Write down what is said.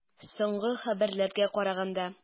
Соңгы хәбәрләргә караганда.